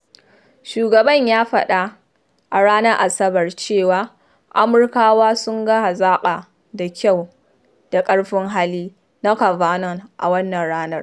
Shugaban ya faɗa a ranar Asabar cewa “Amurkawa sun ga hazaƙa da kyau da ƙarfin hali” na Kavanaugh wannan ranar.